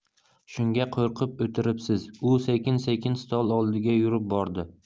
shunga qo'rqib o'tiribsiz u sekin sekin stol oldiga yurib bordi